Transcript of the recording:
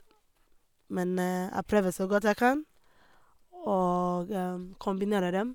Men jeg prøver så godt jeg kan og kombinere dem.